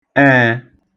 ẹẹ̄